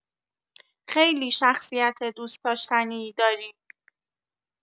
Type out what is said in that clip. خیلی شخصیت دوست‌داشتنی داری